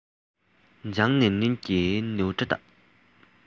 ལྗང ནེམ ནེམ གྱི ནེའུ སྐྲ དག